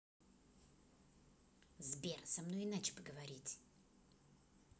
сбер со мной иначе поговорить